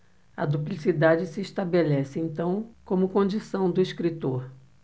a duplicidade se estabelece então como condição do escritor